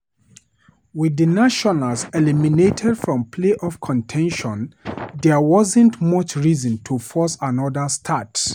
With the Nationals eliminated from playoff contention, there wasn't much reason to force another start.